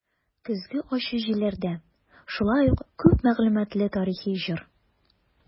"көзге ачы җилләрдә" шулай ук күп мәгълүматлы тарихи җыр.